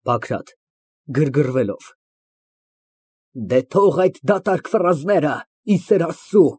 ԲԱԳՐԱՏ ֊ (Գրգռվելով) Էհ, թող այդ դատարկ ֆրազները, ի սեր Աստծո։